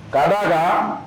Tabaa la